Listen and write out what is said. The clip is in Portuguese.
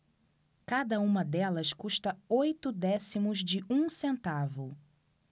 cada uma delas custa oito décimos de um centavo